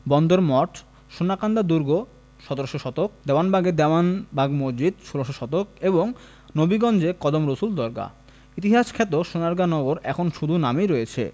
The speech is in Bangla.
বন্দর মঠ সোনাকান্দা দুর্গ ১৭শ শতক দেওয়ানবাগে দেওয়ানবাগ মসজিদ ১৬শ শতক এবং নবীগঞ্জে কদম রসুল দরগাহ ইতিহাসখ্যাত সোনারগাঁও নগর এখন শুধু নামেই রয়েছে